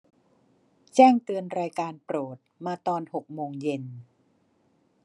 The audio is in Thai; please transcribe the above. แจ้งเตือนรายการโปรดมาตอนหกโมงเย็น